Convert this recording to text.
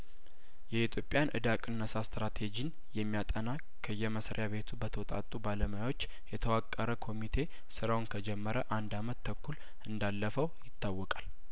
የኢትዮጵያን እዳቅነሳ ስትራቴጂ የሚያጠና ከየመስሪያቤቱ በተወጣጡ ባለሙያዎች የተዋቀረ ኮሚቴ ስራውን ከጀመረ አንድ አመት ተኩል እንዳለፈው ይታወቃል